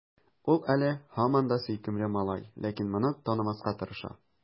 Ул әле һаман да сөйкемле малай, ләкин моны танымаска тырыша.